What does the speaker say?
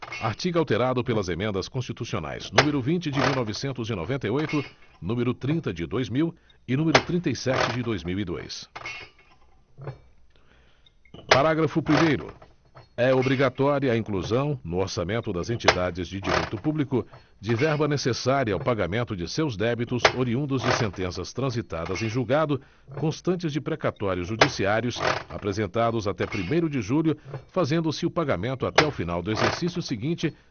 artigo alterado pelas emendas constitucionais número vinte de mil novecentos e noventa e oito número trinta de dois mil e número trinta e sete de dois mil e dois parágrafo primeiro é obrigatória a inclusão no orçamento das entidades de direito público de verba necessária ao pagamento de seus débitos oriundos de sentenças transitadas em julgado constantes de precatórios judiciários apresentados até primeiro de julho fazendo se o pagamento até o final do exercício seguinte